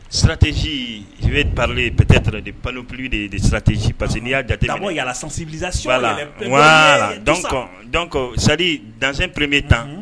Stratégie. Je vais parler peut-être de paleopulie de Stratégie parceque ni ya jate minɛ d'abord il ya la snsivilisation les tout ça. Donc dans un premier temps